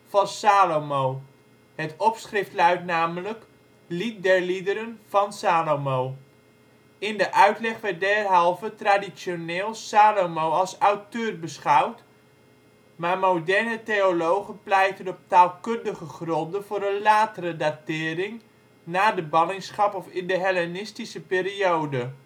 van Salomo. Het opschrift luidt namelijk: Lied der liederen, van Salomo. In de uitleg werd derhalve traditioneel Salomo als auteur beschouwd, maar moderne theologen pleiten op taalkundige gronden voor een latere datering, na de ballingschap of in de hellenistische periode